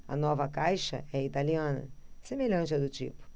a nova caixa é italiana semelhante à do tipo